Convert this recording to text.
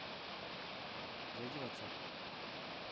зайди в whatsapp